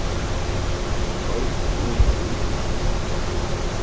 koyr meira í